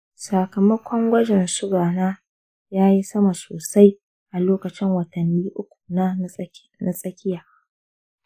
sakamakon gwajin suga na yayi sama sosai a lokacin watanni ukuna na tsakkiya.